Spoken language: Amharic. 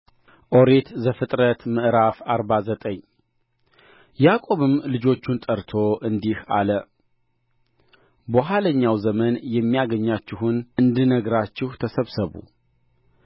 ኦሪት ዘፍጥረት ምዕራፍ አርባ ዘጠኝ ያዕቆብም ልጆቹን ጠርቶ እንዲህ አለ በኋለኛው ዘመን የሚያገኛችሁን እንድነግራችሁ ተሰብሰቡ